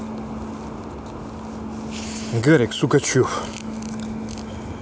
гарик сукачев